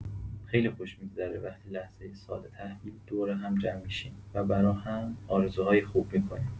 خیلی خوش می‌گذره وقتی لحظه سال‌تحویل دور هم جمع می‌شیم و برا هم آرزوهای خوب می‌کنیم.